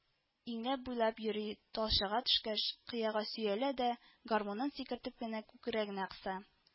Иңләп-буйлап йөри, талчыга төшкәч, кыяга сөялә дә, гармунын сикертеп кенә күкрәгенә кыса